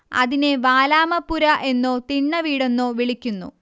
അതിനെ വാലാമപ്പുര എന്നോ തിണ്ണവീടെന്നോ വിളിക്കുന്നു